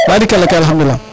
barikala kay alhadulilah